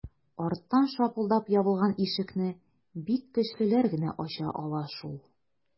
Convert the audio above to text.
Арттан шапылдап ябылган ишекне бик көчлеләр генә ача ала шул...